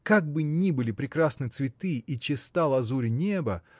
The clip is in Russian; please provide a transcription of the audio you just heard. как бы ни были прекрасны цветы и чиста лазурь неба